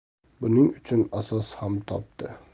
buning uchun asos ham topdi